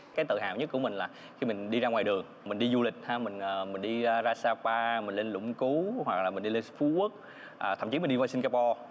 cái tự hào nhất của mình là khi mình đi ra ngoài đường mình đi du lịch ha mình mình đi ra sa pa mình lên lũng cú hoặc là mình đi lên phú quốc ạ thậm chí minh đi qua sinh ga po